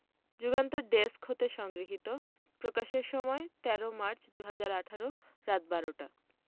Jugantor desk হতে সংগৃহীত প্রকাশের সময় ১৩ মার্চ ২০১৮ রাত ১২:০০ টা